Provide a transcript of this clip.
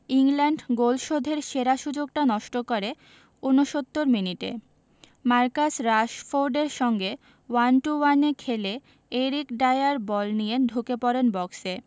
England goal শোধের সেরা সুযোগটা নষ্ট করে ৬৯ মিনিটে মার্কাস রাশফোর্ডের সঙ্গে ওয়ান টু ওয়ানে খেলে এরিক ডায়ার বল নিয়ে ঢুকে পড়েন বক্সে